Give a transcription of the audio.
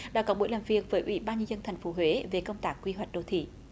đã có buổi làm việc với ủy ban nhân dân thành phố huế về công tác quy hoạch đô thị